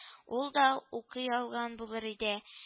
—ул да укый алган булыр иде